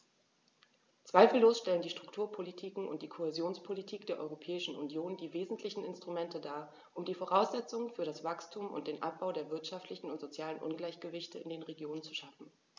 Zweifellos stellen die Strukturpolitiken und die Kohäsionspolitik der Europäischen Union die wesentlichen Instrumente dar, um die Voraussetzungen für das Wachstum und den Abbau der wirtschaftlichen und sozialen Ungleichgewichte in den Regionen zu schaffen.